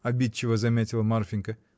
— обидчиво заметила Марфинька.